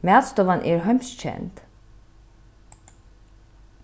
matstovan er heimskend